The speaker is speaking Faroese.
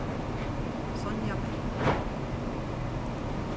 sonja bech